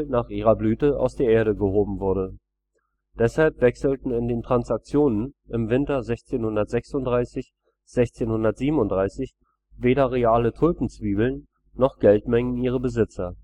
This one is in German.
nach ihrer Blüte aus der Erde gehoben wurde. Deshalb wechselten in den Transaktionen im Winter 1636 / 1637 weder reale Tulpenzwiebeln noch Geldmengen ihre Besitzer